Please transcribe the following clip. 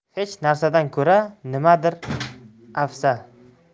hech narsadan ko'ra nimadir afzal